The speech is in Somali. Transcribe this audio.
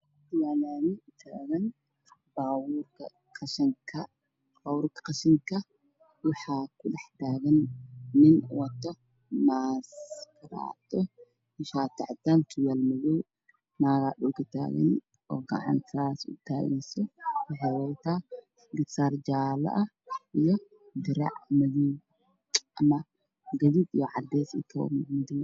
Waxaa meesha taagan baabuurka qashinka qaado oo ah dul saaran nin qashinka guraya agtaagan saddex naagood